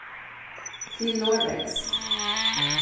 til noregs